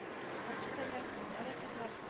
- урман кисәрләр, юллар ясарлар